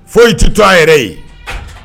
Foyisi tɛ to a yɛrɛ ye